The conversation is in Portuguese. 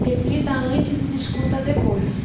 reflita antes e discuta depois